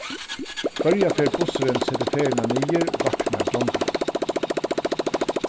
hvørja ferð bussurin setir ferðina niður vaknar drongurin